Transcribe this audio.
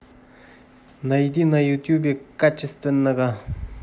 найди на ютубе качественного